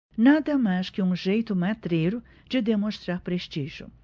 nada mais que um jeito matreiro de demonstrar prestígio